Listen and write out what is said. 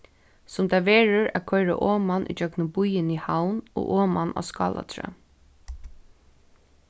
sum tað verður at koyra oman ígjøgnum býin í havn og oman á skálatrøð